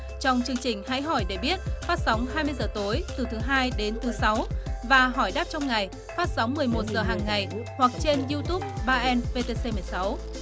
trong chương trình hãy hỏi để biết phát sóng hai mươi giờ tối từ thứ hai đến thứ sáu và hỏi đáp trong ngày phát sóng mười một giờ hằng ngày hoặc trên diu tút ba en vê tê xê mười sáu